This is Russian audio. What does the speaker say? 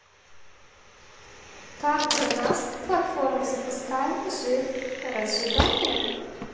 кардио насте платформы запускаем жир разжигание